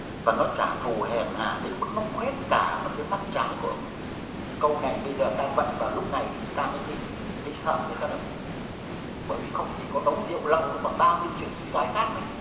và nó trả thù hèn hạ đến mức nó khoét cả một cái mắt trái của ông ý câu này bây giờ ta vận vào lúc này thì ta mới thấy thấy sợ đấy các đồng chí nhá bởi vì không chỉ có nấu rượu lậu đâu còn bao nhiêu chuyện suy thoái khác nữa chứ